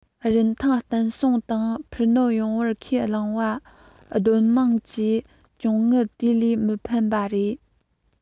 རིན ཐང བརྟན སྲུང དང འཕར སྣོན ཡོང བར ཁས བླངས པ སྡོད དམངས ཀྱི བཅོལ དངུལ དེ ལ མི ཕན པ རེད